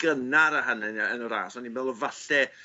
gynnar a hanny'n y- yn y ras o'n i'n meddwl falle